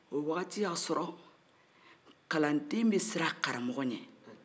o waati y 'a sɔrɔ kalanden bɛ siran a karamɔgɔ ɲɛ